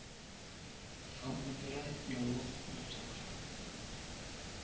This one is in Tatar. Һәм ул берәр яңалык уйлап табар